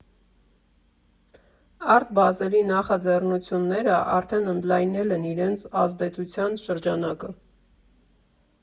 Արթ Բազելի նախաձեռնությունները արդեն ընդլայնել են իրենց ազդեցության շրջանակը։